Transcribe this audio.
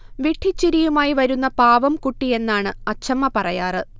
വിഡ്ഢിച്ചിരിയുമായി വരുന്ന പാവംകുട്ടി എന്നാണ് അച്ഛമ്മ പറയാറ്